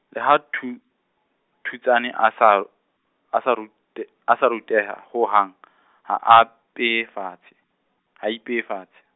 le ha Thu-, Thuntshane a sa r- a sa rute- a sa ruteha ho hang ha a pe fatse ha a I peye fatse.